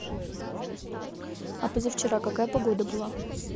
а позавчера какая погода была